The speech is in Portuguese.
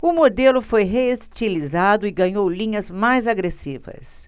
o modelo foi reestilizado e ganhou linhas mais agressivas